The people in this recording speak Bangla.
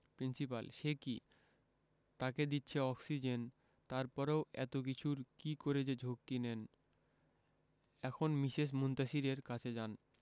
প্রিন্সিপাল সে কি তাকে দিচ্ছে অক্সিজেন তারপরেও এত কিছুর কি করে যে ঝক্কি নেন এখন মিসেস মুনতাসীরের কাছে যান